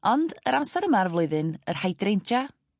ond yr amser yma o'r flwyddyn yr Hydrangea,